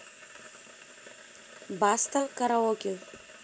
баста караоке